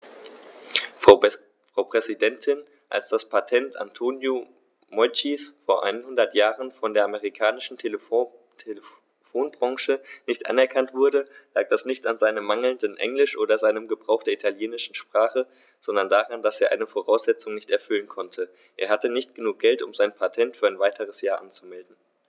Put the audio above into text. Frau Präsidentin, als das Patent Antonio Meuccis vor einhundert Jahren von der amerikanischen Telefonbranche nicht anerkannt wurde, lag das nicht an seinem mangelnden Englisch oder seinem Gebrauch der italienischen Sprache, sondern daran, dass er eine Voraussetzung nicht erfüllen konnte: Er hatte nicht genug Geld, um sein Patent für ein weiteres Jahr anzumelden.